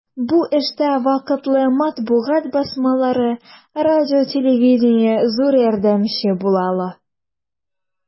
Бу эштә вакытлы матбугат басмалары, радио-телевидение зур ярдәмче була ала.